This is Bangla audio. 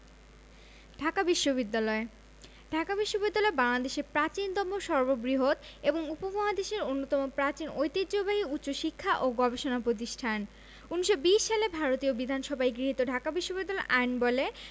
ঢাকা বিশ্ববিদ্যালয় ঢাকা বিশ্ববিদ্যালয় বাংলাদেশের প্রাচীনতম সর্ববৃহৎ এবং উপমহাদেশের অন্যতম প্রাচীন ঐতিহ্যবাহী উচ্চশিক্ষা ও গবেষণা প্রতিষ্ঠান ১৯২০ সালে ভারতীয় বিধানসভায় গৃহীত ঢাকা বিশ্ববিদ্যালয় আইনবলে